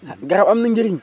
ah garab am na njëriñ